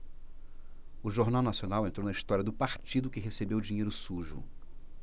o jornal nacional entrou na história do partido que recebeu dinheiro sujo